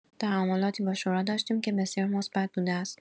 تعاملاتی با شورا داشتیم که بسیار مثبت بوده است.